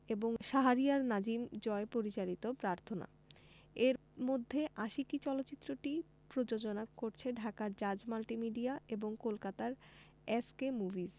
এবং শাহরিয়ার নাজিম জয় পরিচালিত প্রার্থনা এর মধ্যে আশিকী চলচ্চিত্রটি প্রযোজনা করছে ঢাকার জাজ মাল্টিমিডিয়া এবং কলকাতার এস কে মুভিজ